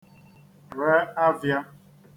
re avịa